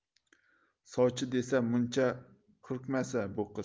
sovchi desa muncha hurkmasa bu qiz